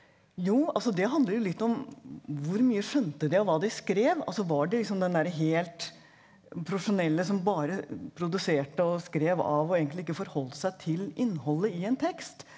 jo altså det handler jo litt om hvor mye skjønte de av hva de skrev, altså var det liksom den der helt profesjonelle som bare produserte og skrev av og egentlig ikke forholdt seg til innholdet i en tekst?